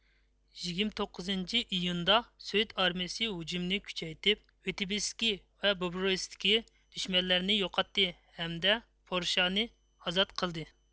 يىگىرمە توققۇزىنچى ئىيۇندا سوۋېت ئارمىيىسى ھۇجۇمنى كۈچەيتىپ ۋىتېبسكى ۋە بۇبرۇيسكدىكى دۈشمەنلەرنى يوقاتتى ھەمدە پورشانى ئازاد قىلدى